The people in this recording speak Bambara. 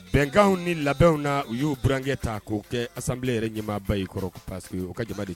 Bɛnkanw ni labɛnw na u y'o bkɛ ta'o kɛ a sanfɛ yɛrɛ ɲɛmaaba ye kɔrɔ passeke ye o ka ja de